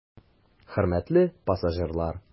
Хөрмәтле пассажирлар!